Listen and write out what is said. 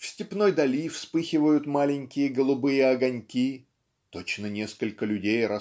в степной дали вспыхивают маленькие голубые огоньки "точно несколько людей